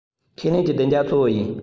ཁས ལེན ཀྱི བདེ འཇགས གཙོ བོ ཡིན